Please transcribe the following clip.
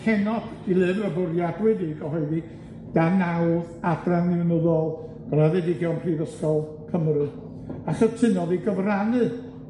pennod i lyfr y bwriadwyd ei gyhoeddi dan nawdd Adran Graddedigion Prifysgol Cymru, a chytunodd i gyfrannu